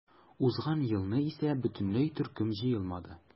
Узган елны исә бөтенләй төркем җыелмаган.